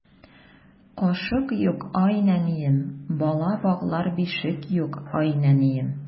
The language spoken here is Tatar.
Кашык юк, ай нәнием, Бала баглар бишек юк, ай нәнием.